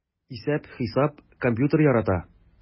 Исәп-хисап, компьютер ярата...